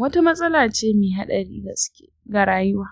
wata matsala ce mai haɗarin gaske ga rayuwa.